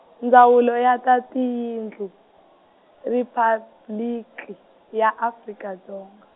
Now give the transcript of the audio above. Ndzawulo ya ta Tiyindlu, Riphabliki ya Afrika Dzonga.